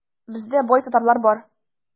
Бездә бай татарлар бар.